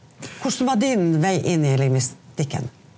hvordan var din vei inn i lingvistikken?